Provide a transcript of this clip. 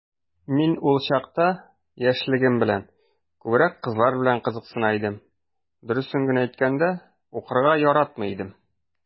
Мин ул чакта, яшьлегем белән, күбрәк кызлар белән кызыксына идем, дөресен генә әйткәндә, укырга яратмый идем...